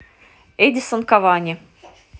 эддисон кавани